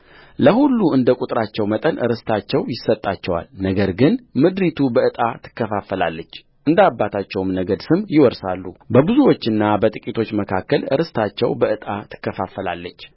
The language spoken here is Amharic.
ለሁሉ እንደ ቍጥራቸው መጠን ርስታቸው ይሰጣቸዋልነገር ግን ምድሪቱ በዕጣ ትከፈላለች እንደ አባቶቻቸው ነገድ ስም ይወርሳሉበብዙዎችና በጥቂቶች መካከል ርስታቸው በዕጣ ትከፈላለች